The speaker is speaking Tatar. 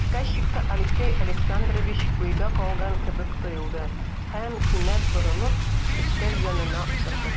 Приказчикка Алексей Александрович уйга калган кебек тоелды һәм, кинәт борылып, өстәл янына утырды.